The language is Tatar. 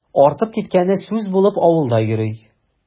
Артып киткәне сүз булып авылда йөри.